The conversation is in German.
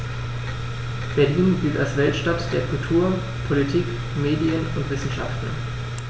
Berlin gilt als Weltstadt der Kultur, Politik, Medien und Wissenschaften.